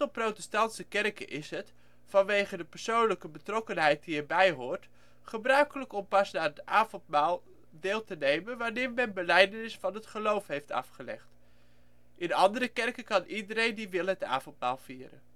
protestantse kerken is het, vanwege de persoonlijke betrokkenheid die erbij hoort, gebruikelijk om pas aan het avondmaal deel te nemen wanneer men belijdenis van het geloof heeft afgelegd. In andere kerken kan iedereen die dat wil het avondmaal vieren